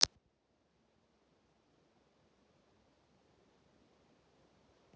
ргвк дагестан